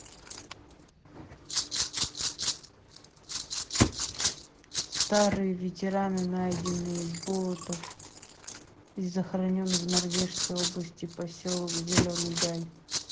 старые ветераны найденный болотов и захоронен в норвежской области поселок зеленый гай